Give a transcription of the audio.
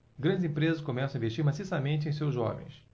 grandes empresas começam a investir maciçamente em seus jovens